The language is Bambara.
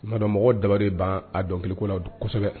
Madɔmɔgɔ darari ban a dɔnkilikiliko la kosɛbɛ